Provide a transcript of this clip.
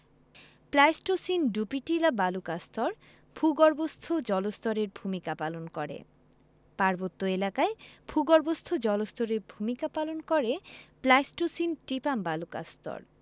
Pleistocene Dupi Tila বালুকাস্তর ভূগর্ভস্থ জলস্তরের ভূমিকা পালন করে পার্বত্য এলাকায় ভূগর্ভস্থ জলস্তরের ভূমিকা পালন করে প্লাইসটোসিন টিপাম বালুকাস্তর